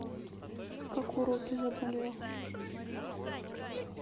как уроки заболел